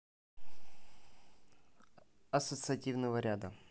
ассоциативного ряда